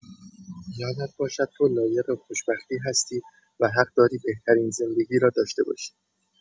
یادت باشد تو لایق خوشبختی هستی و حق‌داری بهترین زندگی را داشته باشی.